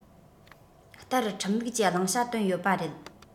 ལྟར ཁྲིམས ལུགས ཀྱི བླང བྱ བཏོན ཡོད པ རེད